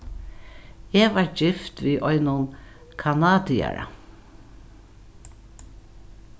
eg varð gift við einum kanadiara